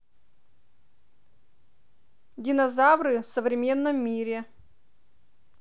динозавры в современном мире